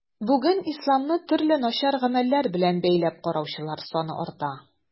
Бүген исламны төрле начар гамәлләр белән бәйләп караучылар саны арта.